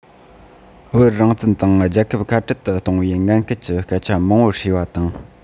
བོད རང བཙན དང རྒྱལ ཁབ ཁ བྲལ དུ གཏོང བའི ངན སྐུལ གྱི སྐད ཆ མང པོ བསྲེས པ དང